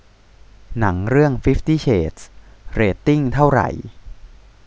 หนังเรื่องฟิฟตี้เชดส์เรตติ้งเท่าไหร่